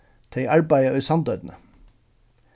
tey arbeiða í sandoynni